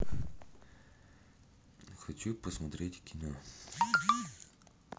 хочу посмотреть кино